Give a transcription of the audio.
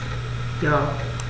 Ja.